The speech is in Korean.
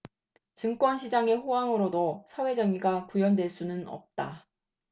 증권 시장의 호황으로도 사회 정의가 구현될 수는 없다